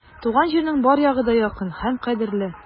Туган җирнең бар ягы да якын һәм кадерле.